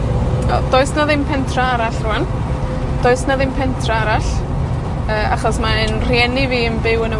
O. Does 'na ddim pentra arall rŵan. Does 'na ddim pentra arall, yy, achos mae 'yn rhieni fi yn byw yn y